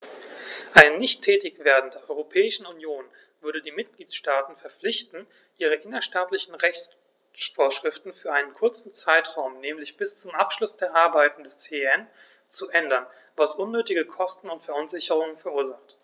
Ein Nichttätigwerden der Europäischen Union würde die Mitgliedstaten verpflichten, ihre innerstaatlichen Rechtsvorschriften für einen kurzen Zeitraum, nämlich bis zum Abschluss der Arbeiten des CEN, zu ändern, was unnötige Kosten und Verunsicherungen verursacht.